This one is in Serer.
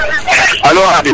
Alo Khadim